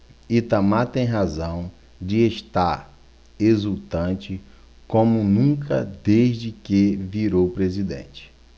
itamar tem razão de estar exultante como nunca desde que virou presidente